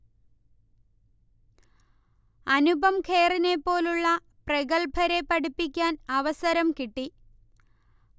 അനുപം ഖേറിനെപ്പോലുള്ള പ്രഗല്ഭരെ പഠിപ്പിക്കാൻ അവസരം കിട്ടി